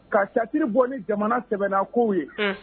Ka catiriri bɔ ni jamana sɛbɛnna ko'u ye